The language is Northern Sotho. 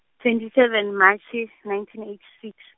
twenty seven Matšhe -s, nineteen eighty six.